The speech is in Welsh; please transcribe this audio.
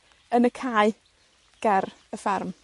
yn y cae ger y ffarm.